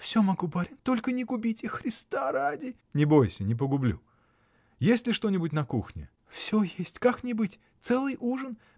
— Всё могу, барин: только не губите, Христа ради! — Не бойся, не погублю! Есть ли что-нибудь на кухне? — Всё есть: как не быть! целый ужин!